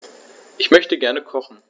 Ich möchte gerne kochen.